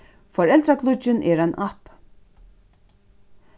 foreldragluggin er ein app